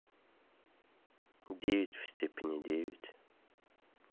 девять в степени девять